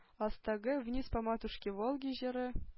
Астагы “Вниз по матушке по Волге“ җыры